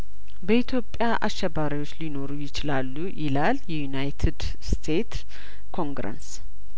በኢትዮጵያ አሸባሪዎች ሊኖሩ ይችላሉ ይላል የዩናይትድ ስቴትስ ኮንግረስ